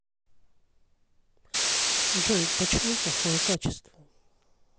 джой почему плохое качество